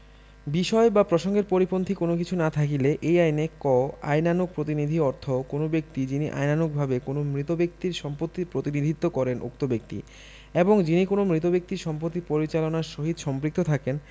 বিষয় বা প্রসঙ্গের পরিপন্থী কোন কিছু না থাকিলে এই আইনে ক আইনানুগ প্রতিনিধি অর্থ কোন ব্যক্তি যিনি আইনানুগভাবে কোন মৃত ব্যক্তির সম্পত্তির প্রতিনিধিত্ব করেন উক্ত ব্যক্তি এবং যিনি কোন মৃত ব্যক্তির সম্পত্তি পরিচালনার সহিত সম্পৃক্ত থাকেন